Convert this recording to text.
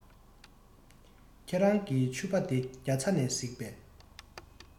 ཁྱེད རང གི ཕྱུ པ དེ རྒྱ ཚ ནས གཟིགས པས